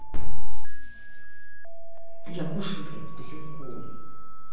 я кушаю блядь поселковый